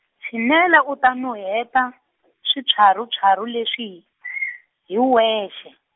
tshinela u ta nuhweta , swiphyaruphyaru leswi , hi wexe.